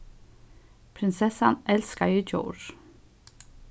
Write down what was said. prinsessan elskaði djór